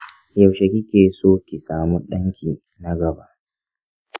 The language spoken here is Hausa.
yaushe kike so ki samu ɗànki na gaba?